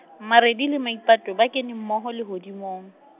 Maredi le Maipato ba kene mmoho lehodimong.